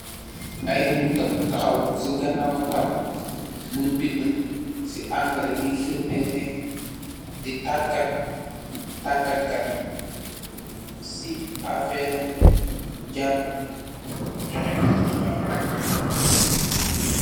Ay nt ñiu taxaw, si ganaaw tablë, buñg binda si Angale, di firndeel ne, di tagat kat yi, si àferum jaamu, si joxe katu xibaar yi.